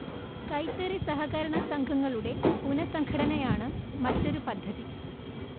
കൈത്തറി സഹകരണ സംഘങ്ങളുടെ പുനഃസംഘടനയാണ് മറ്റൊരു പദ്ധതി